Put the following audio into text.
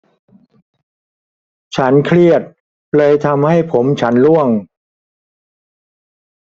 ฉันเครียดเลยทำให้ผมฉันร่วง